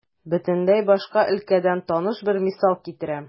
Бөтенләй башка өлкәдән таныш бер мисал китерәм.